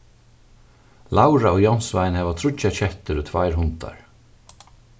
laura og jónsvein hava tríggjar kettur og tveir hundar